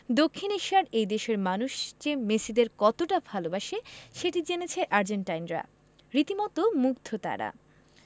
দক্ষিণ এশিয়ার এই দেশের মানুষ যে মেসিদের কতটা ভালোবাসে সেটি জেনেছে আর্জেন্টাইনরা রীতিমতো মুগ্ধ তাঁরা